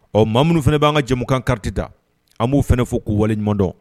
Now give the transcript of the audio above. Ɔ ma minnu fana b'an ka jɛmukan kariti da an b'u fana fo k'u waleɲumandɔn